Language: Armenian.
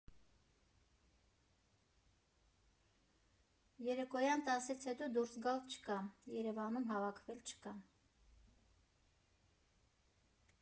Երեկոյան տասից հետո դուրս գալ չկա, Երևանում հավաքվել չկա։